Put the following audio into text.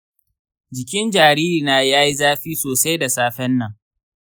jikin jaririna ya yi zafi sosai da safen nan.